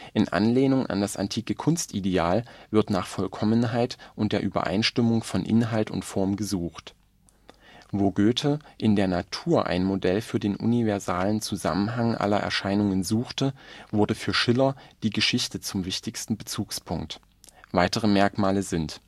In Anlehnung an das antike Kunstideal wird nach Vollkommenheit und der Übereinstimmung von Inhalt und Form gesucht. Wo Goethe in der Natur ein Modell für den universalen Zusammenhang aller Erscheinungen suchte, wurde für Schiller die Geschichte zum wichtigsten Bezugspunkt. Weitere Merkmale sind